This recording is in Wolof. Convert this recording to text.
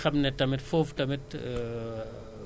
rawatina nag ñoo xam ne ñu ngi ci communes yi